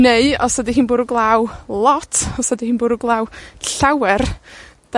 Neu, os ydy hi'n bwrw glaw lot, os ydy hi'n bwrw glaw llawer 'dan